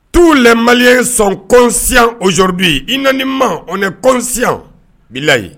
Tuu lama sɔn kɔnsi oyourubi i na nin man oɛ kɔsi bɛ layi